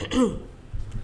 A tun